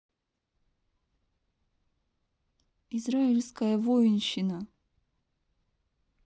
израильская воинщина